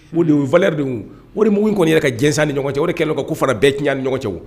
Wudufa de o mun kɔni ka diɲɛsan ni ɲɔgɔn cɛ o kɛlen kan ko fana bɛɛc ni ɲɔgɔn cɛ